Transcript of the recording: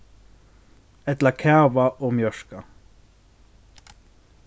ella kava og mjørka